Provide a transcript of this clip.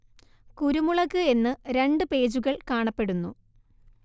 കുരുമുളക് എന്ന് രണ്ട് പേജുകൾ കാണപ്പെടുന്നു